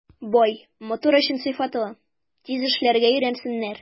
Бай, матур яшәү өчен сыйфатлы, тиз эшләргә өйрәнсеннәр.